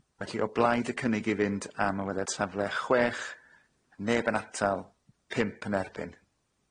Felly o blaid y cynnig i fynd am ymweliad safle, chwech. Neb yn atal. Pump yn erbyn.